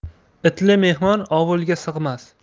itli mehmon ovulga sig'mas